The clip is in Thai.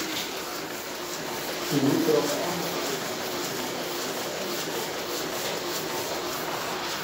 ผิวตรงน่องดูหนานูนขึ้นมาแต่ไม่เจ็บไม่คัน